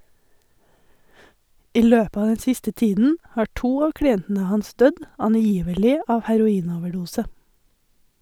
I løpet av den siste tiden har to av klientene hans dødd, angivelig av heroinoverdose.